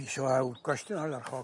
Isio awr gwestiwn arallol.